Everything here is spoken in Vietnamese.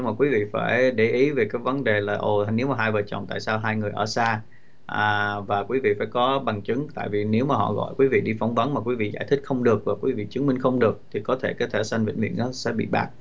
mà quý vị phải để ý về cái vấn đề là ồ nếu mà hai vợ chồng tại sao hai người ở xa à và quý vị phải có bằng chứng tại vì nếu mà họ gọi quý vị đi phỏng vấn mà quý vị giải thích không được và quý vị chứng minh không được thì có thể cái thẻ xanh vĩnh viễn đó sẽ bị bạc